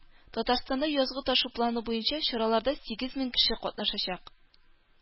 Татарстанда "Язгы ташу" планы буенча чараларда сигез мең кеше катнашачак